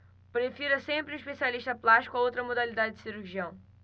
prefira sempre um especialista plástico a outra modalidade de cirurgião